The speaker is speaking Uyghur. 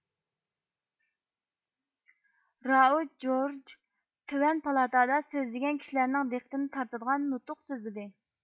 رائۇج جورج تۆۋەن پالاتادا سۆزلىگەن كىشىلەرنىڭ دىققىتىنى تارتىدىغان نۇتۇق سۆزلىدى